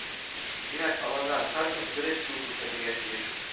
Димәк, аларга һәркем дөрес юл күрсәтергә тиеш